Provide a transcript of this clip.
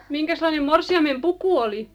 minkäslainen morsiamen puku oli